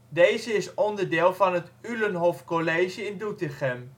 deze is onderdeel van het Ulenhofcollege in Doetinchem